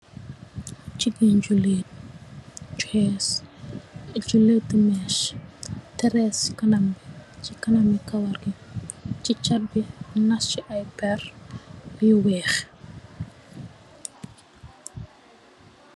Jigeen bu lay ju xeess latu mess terese kanambi si kanami kawar bi si saat bi nass si ay perr yu weex.